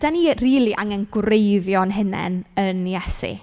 Dan ni rili angen gwreiddio'n hunain yn Iesu.